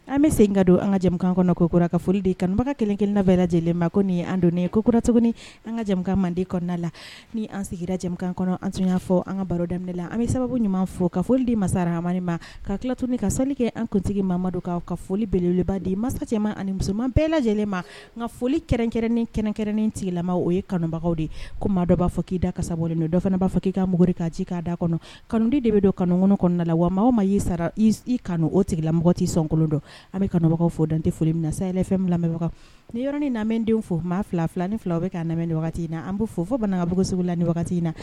An bɛ sen ka don an ka jamanakan kɔnɔ kokurara ka foli de kanubaga kelenkelen labɛn lajɛlen ma ko nin an donnen ye kokurara tuguni an ka jamana manden kɔnɔna la ni an sigirakan kɔnɔ an tun y'a fɔ an ka baroda la an bɛ sababu ɲuman fɔ ka foli di masa hamani ma ka tilatuni ka selili kɛ an kuntigi mamamadu k' ka foli belelibaden mansa ani musoman bɛɛ lajɛlen ma nka ka foli kɛrɛn-kɛrɛn ni kɛrɛn-kɛrɛnnen tigilama o ye kanubagaw de ko maa dɔ b'a fɔ k'i da kasa bɔlen don dɔ fana b'a fɔ k ii kamori k kaa ci k kaa da kɔnɔ kanuden de bɛ don kanu kɔnɔ kɔnɔna la wa mɔgɔw ma y'i sara i kanu o tigilamɔgɔ' sɔn kolon don an bɛ kanubagaw fɔ dantɛ foli minna na saya fɛn bilabagaw ni yɔrɔ ni naden fo maa fila fila ni fila o bɛ ka na lamɛnmɛ ni wagati in na an bɛ fɔ fo bana kabuguso la ni wagati in na